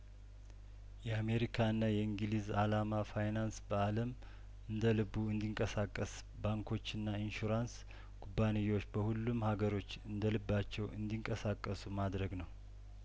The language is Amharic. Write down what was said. የአሜሪካና የእንግሊዝ አላማ ፋይናንስ በአለም እንደልቡ እንዲንቀሳቀስ ባንኮችና ኢንሹራንስ ኩባንያዎች በሁሉም ሀገሮች እንደልባቸው እንዲንቀሳቀሱ ማድረግ ነው